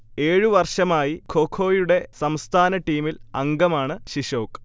ഏഴു വർഷമായി ഖോഖൊയുടെ സംസ്ഥാന ടീമിൽ അംഗമാണു ശിശോക്